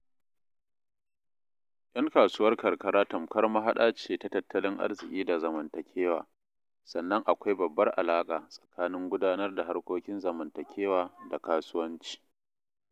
Yan kasuwar karkara tamkar mahaɗa ce ta tattalin arziki da zamantakewa, sannan akwai babbar alaƙa tsakanin gudanar da harkokin zamantakewa da kasuwanci.